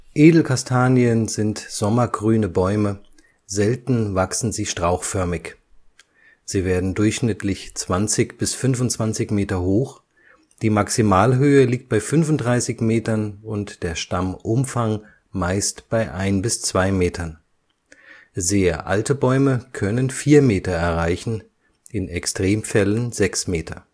Edelkastanien sind sommergrüne Bäume, selten wachsen sie strauchförmig. Sie werden durchschnittlich 20 bis 25 Meter hoch, die Maximalhöhe liegt bei 35 Metern und der Stammumfang meist bei ein bis zwei Metern. Sehr alte Bäume können vier Meter erreichen, in Extremfällen sechs Meter